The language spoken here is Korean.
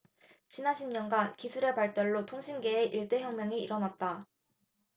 지난 십 년간 기술의 발달로 통신계에 일대 혁명이 일어났다